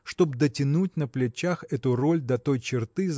чтоб дотянуть на плечах эту роль до той черты